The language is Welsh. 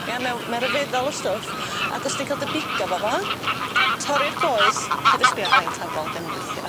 ia mewn ma' ryfeddol o stwff ac os ti'n ca'l dy bigo 'fo fo torri'r goes paid â sbio ar dail tafol diom yn gweithio...